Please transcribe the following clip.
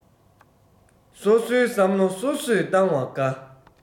སོ སོའི བསམ བློ སོ སོས བཏང བ དགའ